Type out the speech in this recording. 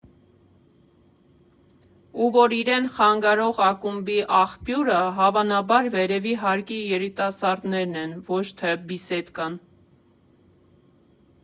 Ու որ իրեն խանգարող աղմուկի աղբյուրը, հավանաբար, վերևի հարկի երիտասարդներն են, ոչ թե «Բիսեդկան»։